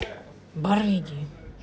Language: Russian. барыги